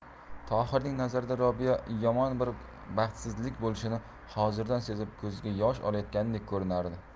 tohirning nazarida robiya yomon bir baxtsizlik bo'lishini hozirdan sezib ko'ziga yosh olayotgandek ko'rinardi